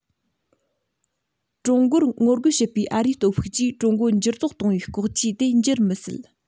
ཀྲུང གོར ངོ རྒོལ བྱེད པའི ཨ རིའི སྟོབས ཤུགས ཀྱིས ཀྲུང གོ འགྱུར ལྡོག གཏོང བའི ལྐོག ཇུས དེ འགྱུར མི སྲིད